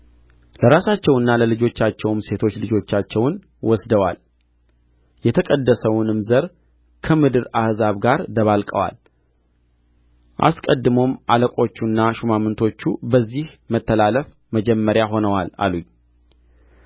ለራሳቸውና ለልጆቻቸውም ሴቶች ልጆቻቸውን ወስደዋል የተቀደሰውንም ዘር ከምድር አሕዛብ ጋር ደባልቀዋል አስቀድሞም አለቆቹና ሹማምቶቹ በዚህ መተላለፍ መጀመሪያ ሆነዋል አሉኝ